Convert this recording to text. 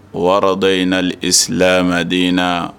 O wɔɔrɔ dɔ in na esimɛden in na